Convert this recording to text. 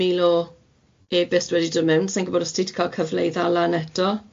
a mil o e-byst wedi dod mewn, sa i'n gwbod os ti 'di ca'l cyfle i ddal lan eto.